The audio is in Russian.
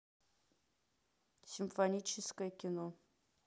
симфоническое кино